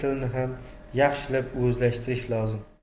tilni ham yaxshilab o'zlashtirish lozim